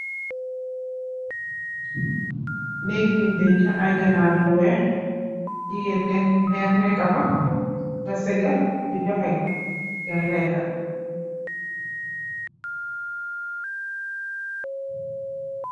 Nèk buñ denca ay ganaw yu wèèx. Meer nekka fa sagah di jox ganarr lèk.